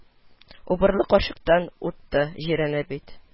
– убырлы карчыктан ут та җирәнә бит